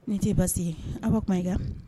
Nin tɛ baasi ye Awa Mayiga